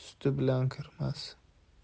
tana suti bilan kirmas